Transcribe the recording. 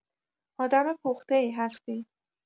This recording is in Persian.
آدم پخته‌ای هستی.